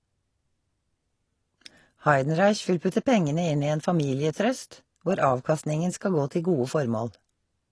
Heidenreich vil putte pengene inn i en familietrust, hvor avkastningen skal gå til gode formål.